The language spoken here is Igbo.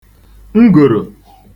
ngòrò